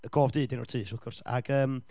Y "Gof Du" 'di enw'r tŷ s- wrth gwrs, ag yym,